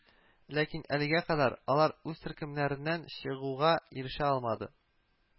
Ләкин әлегә кадәр алар үз төркемнәреннән чыгуга ирешә алмады